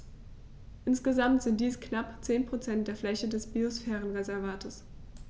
Insgesamt sind dies knapp 10 % der Fläche des Biosphärenreservates.